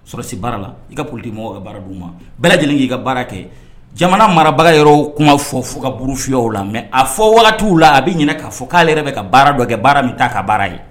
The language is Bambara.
Sɔrɔsi baara la i ka politique mɔgɔw ka baara d'u ma bɛɛ lajɛlen k'i ka baara kɛ jamana marabaga yɛrɔw kuma fɔ fukaburu fiyɛw la mais a fɔ wagatiw la a bɛ ɲɛna k'a fɔ k'ale yɛrɛ bɛ ka baara dɔ kɛ baara min t'a ka baara ye